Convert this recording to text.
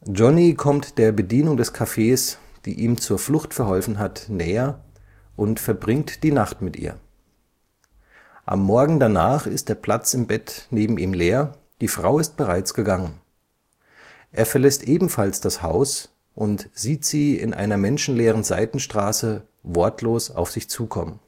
Johnny kommt der Bedienung des Cafés, die ihm zur Flucht verholfen hat, näher und verbringt die Nacht mit ihr. Am Morgen danach ist der Platz im Bett neben ihm leer, die Frau ist bereits gegangen. Er verlässt ebenfalls das Haus und sieht sie in einer menschenleeren Seitenstraße wortlos auf sich zukommen